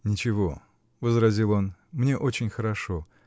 -- Ничего, -- возразил он, -- мне очень хорошо